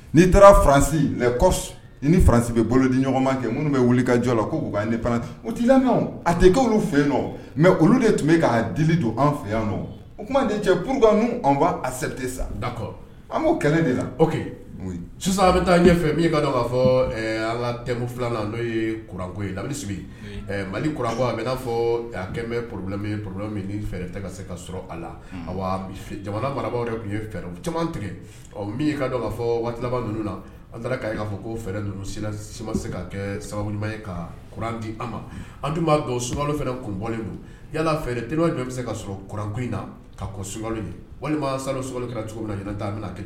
N'i taararansisi bolo di ɲɔgɔn minnu bɛ wuli ka jɔ la ti a mɛ olu de tun bɛ' don an fɛ yan cɛkan sa da an kɛlɛ de sisan bɛ taa ɲɛ fɔ ala n' kuranko mali k bɛ na fɔ kɛlen porooro fɛ ka sɔrɔ a la jamana mara yɛrɛ tun ye fɛɛrɛ o caman tigɛ ɔ min ka k kaa fɔ waati ninnu ana fɔ ko fɛma se ka kɛ sababu ɲuman ye ka kuran di an ma an tun b'a dɔn sokalo fana kun bɔlen don yala fɛ teri bɛ se ka sɔrɔ kuran in na ka ko solo walima salo so kɛra cogo min j' min